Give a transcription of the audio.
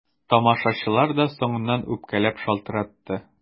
Тамашачылар да соңыннан үпкәләп шалтыратты.